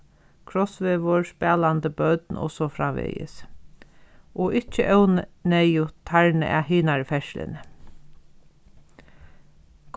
krossvegur spælandi børn og so framvegis og ikki neyðugt tarna hinari ferðsluni